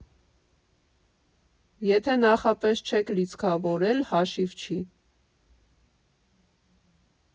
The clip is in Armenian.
Եթե նախապես չեք լիցքավորել՝ հաշիվ չի։